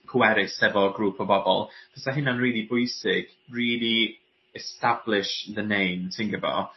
pwerus hefo grŵp o bobol fysa hynna'n rili bwysig rili establish the name ti'n gwbo.